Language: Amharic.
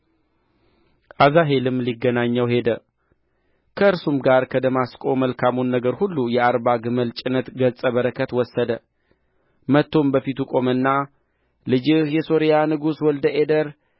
አዛሄልም ሊገናኘው ሄደ ከእርሱም ጋር ከደማስቆ መልካሙን ነገር ሁሉ የአርባ ግመል ጭነት ገጸ በረከት ወሰደ መጥቶም በፊቱ ቆመና ልጅህ የሶርያ ንጉሥ ወልደ አዴር